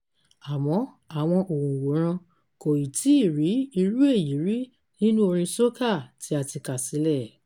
Àmọ́ àwọn òǹwòrán kò ì tíì rí irú èyí rí nínú orin soca tí a ti ká sílẹ̀.